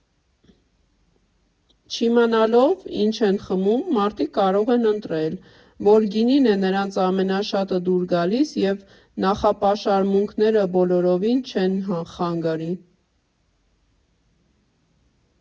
Չիմանալով՝ ինչ են խմում՝ մարդիկ կարող են ընտրել, որ գինին է նրանց ամենշատը դուր գալիս, և նախապաշարմունքները բոլորովին չեն խանգարի։